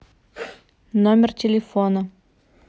номер телефона